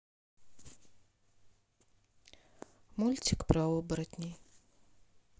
мультик про оборотней